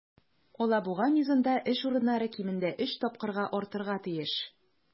"алабуга" мизында эш урыннары кимендә өч тапкырга артарга тиеш.